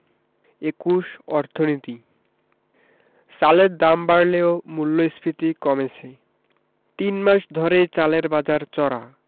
২১ অর্থনীতি চালের দাম বাড়লেও মূল্যস্ফীতি কমেছে তিন মাস ধরেই চালের বাজার চড়া